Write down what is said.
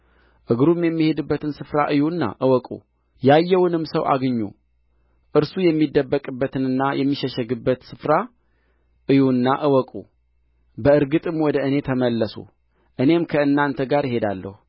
እግሩም የሚሄድበትን ስፍራ እዩና እወቁ በዚያ ያየውንም ሰው አግኙ እርሱ የሚደበቅበትንና የሚሸሸግበትን ስፍራ እዩና እወቁ በእርግጥም ወደ እኔ ተመለሱ እኔም ከእናንተ ጋር እሄዳለሁ